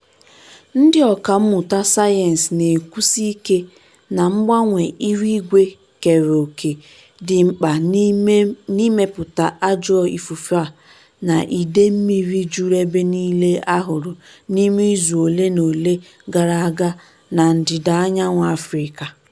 Ndị ọkàmmụta sayensị na-ekwusi ike na mgbanwe ihuigwe keere òkè dị mkpa n'imepụta ajọ ifufe a na ide mmiri juru ebe niile a hụrụ n'ime izu ole na ole gara aga na ndịdaanyanwụ Afrịka.